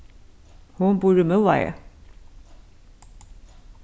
hon býr í miðvági